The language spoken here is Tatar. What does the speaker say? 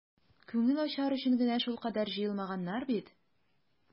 Күңел ачар өчен генә шулкадәр җыелмаганнар бит.